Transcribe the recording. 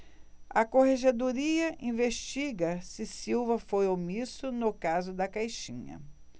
a corregedoria investiga se silva foi omisso no caso da caixinha